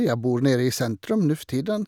Jeg bor nede i sentrum nå for tiden.